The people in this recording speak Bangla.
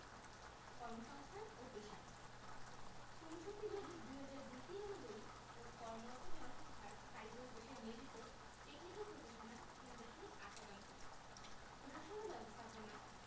কর্মসংস্থান ও পেশাঃ শ্রমশক্তি জরিপ ২০০২ ০৩ অনুযায়ী মোট কর্মরত জনসংখ্যার কারিগরি পেশায় নিয়োজিত টেকনিকাল প্রফেশনাল ৩ দশমিক ৮ শতাংশ প্রশাসন ও ব্যবস্থাপনা